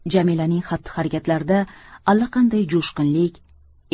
jamilaning xatti harakatlarida allaqanday jo'shqinlik